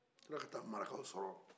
ka tila ka taa marakaw sɔrɔ yen